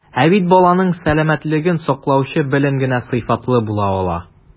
Ә бит баланың сәламәтлеген саклаучы белем генә сыйфатлы була ала.